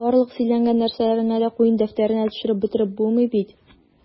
Барлык сөйләнгән нәрсәләрне дә куен дәфтәренә төшереп бетереп булмый бит...